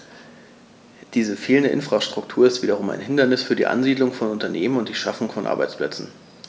Diese fehlende Infrastruktur ist wiederum ein Hindernis für die Ansiedlung von Unternehmen und die Schaffung von Arbeitsplätzen.